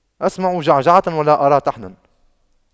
أسمع جعجعة ولا أرى طحنا